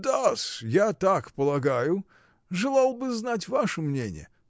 — Да-с, я так полагаю: желал бы знать ваше мнение.